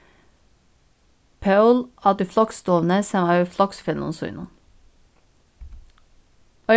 poul át í floksstovuni saman við floksfeløgum sínum